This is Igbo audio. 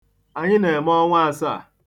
Anyị na-eme Ọnwa Asaà.